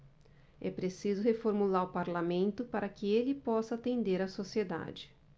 é preciso reformular o parlamento para que ele possa atender a sociedade